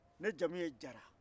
ne jamu ye jara